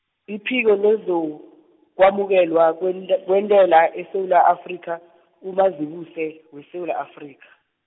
iphiko lezokwamukelwa kwente- kwentela eSewula Afrika, uMazibuse weSewula Afrika.